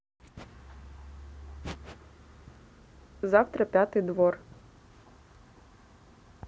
завтра пятый двор